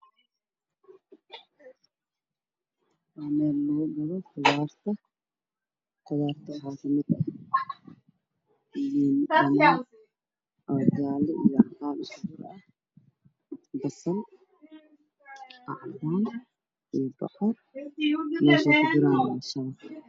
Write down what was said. Meesha Waxaa iiga muuqda liin iyo toon waxaana geysaha ka xiga biro haasna kartoomo